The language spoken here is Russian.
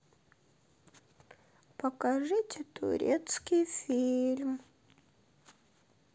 покажите турецкий фильм